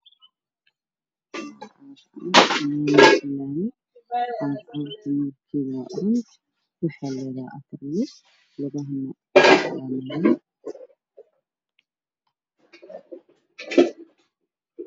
Meeshaan wallaahi calaf cagaf ayaa mareyso kala arkeedu yahay jaallo ayaa ka dambeeya kalalkiisii ay jaalo